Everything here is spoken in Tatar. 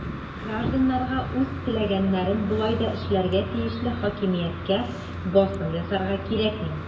Гражданнарга үз теләгәннәрен болай да эшләргә тиешле хакимияткә басым ясарга кирәкми.